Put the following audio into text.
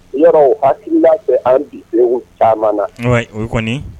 N yɔrɔ hakili hakili'a fɛ an bi taama nao kɔni